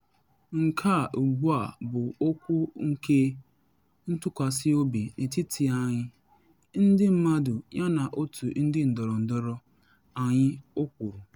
‘Nke a ugbu a bụ okwu nke ntụkwasị obi n’etiti anyị - ndị mmadụ - yana otu ndị ndọrọndọrọ anyị,’ o kwuru.